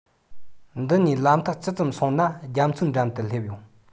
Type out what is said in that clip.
འདི ནས ལམ ཐག ཅི ཙམ སོང ན རྒྱ མཚོའི འགྲམ དུ སླེབས ཡོང